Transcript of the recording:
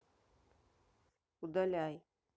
удаляй